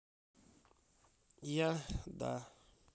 я да